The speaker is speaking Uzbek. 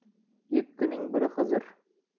yettining biri xizr